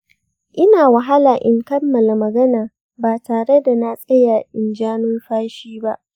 ina wahala in kammala magana ba tare da na tsaya in ja numfashi ba.